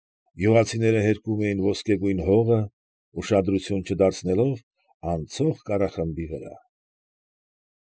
Գյուղացիները հերկում էին ոսկեգույն հողը, ուշադրություն չդարձնելով անցնող կառախմբի վրա։